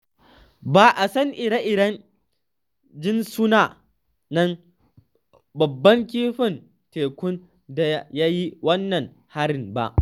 Ba a san ire-iren jinsunan babban kifin tekun da ya yi wannan harin ba.